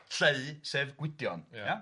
Lleu sef Gwydion, ia?.. Ia...